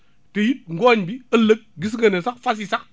te it ngooñ bi ëllëg gis nga ne sax fas yi sax